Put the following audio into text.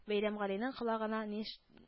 Бәйрәмгалинең колагына ниш